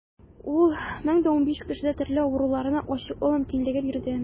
Ул 1015 кешедә төрле авыруларны ачыклау мөмкинлеге бирде.